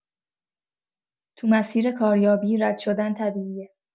تو مسیر کاریابی، رد شدن طبیعیه.